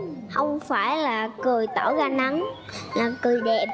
không phải là cười tỏa ra nắng là cười đẹp